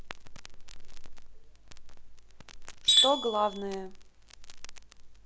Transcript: что главное